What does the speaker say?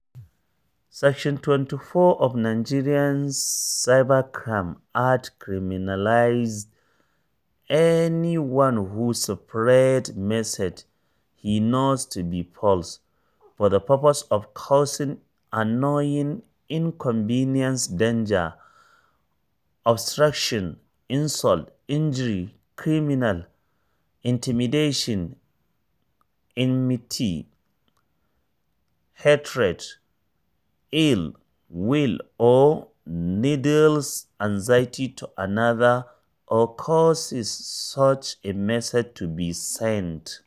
Section 24 of Nigeria’s Cybercrime Act criminalises "anyone who spreads messages he knows to be false, for the purpose of causing annoyance, inconvenience, danger, obstruction, insult, injury, criminal intimidation, enmity, hatred, ill will or needless anxiety to another or causes such a message to be sent."